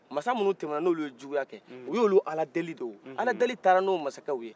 masa minun tɛma n'ulu ye jokoya kɛ u y'ulu ala deli de y'o ala deli taara n'o masakɛw ye